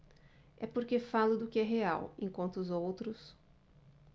é porque falo do que é real enquanto os outros